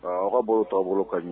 Waga bolo taaboloa bolo ka ɲi